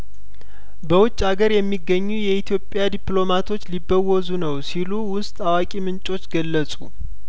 በውጭ አገር የሚገኙ የኢትዮጵያ ዲፕሎማቶች ሊበወዙ ነው ሲሉ ውስጥ አዋቂ ምንጮች ገለጹ